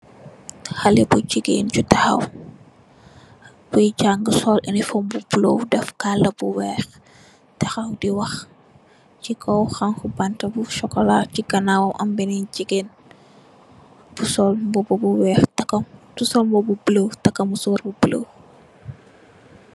Xalé bu jigéen bu taxaw, bu jaangë sol ilifom bu bulo, def kaala bu weex, taxaw, di wax si kow xanxi banta bu sokolaa, ci ganaaw am benen jigéen bu sol mbuba bu weex takka musoor bu bullu.